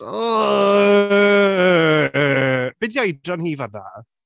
Yyy! Be 'di oedran hi fan'na?